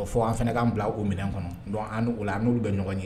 O fɔ. Fo an fana kan bila o minɛn kɔnɔ. Donc o la an nulu bɛ ɲɔgɔn ye.